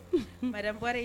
Marareɔr